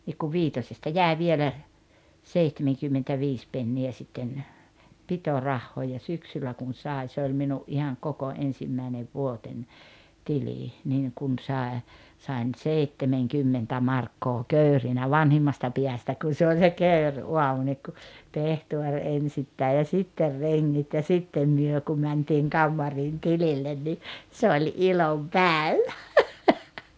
niin kun viitosesta jäi vielä seitsemänkymmentäviisi penniä sitten pitorahaa ja syksyllä kun sai se oli minun ihan koko ensimmäinen vuoteni tili niin kun sai sain seitsemänkymmentä markkaa kekrinä vanhimmasta päästä kun se oli se kekriaamu niin kun pehtori ensittäin ja sitten rengit ja sitten me kun mentiin kammariin tilille niin se oli ilonpäivä